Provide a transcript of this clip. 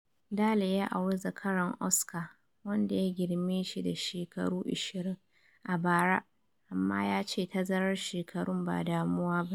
Daley ya auri zakaran Oscar, wanda ya girme shi da shekaru 20, a bara amma ya ce tazarar shekarun ba damuwa bane.